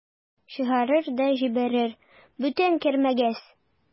Чыгарыр да җибәрер: "Бүтән кермәгез!"